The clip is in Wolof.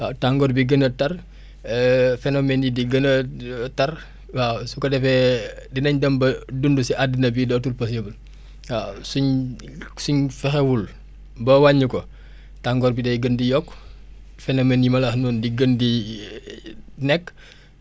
waaw tàngoor bi gën a tar phénomènes yi di gën a tar waaw su ko defee dinañ dem ba dund si addina bi dootul possible waaw suñ suñ fexewul ba wàññi ko tàngoor bi day gën di yokku phénomènes yi ma la wax noonu di gën di nekk